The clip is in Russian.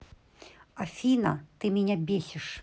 афина ты меня бесишь